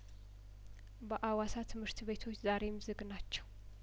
በአዋሳ ትምህርት ቤቶች ዛሬም ዝግ ናቸው